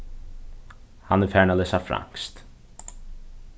hann er farin at lesa franskt